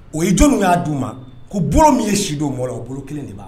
O ye jɔn min y'a d'u ma ko bolo min ye sidoɔrɔ o bolo kelen de b'